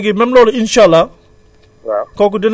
d' accord léegi même loolu insàllaa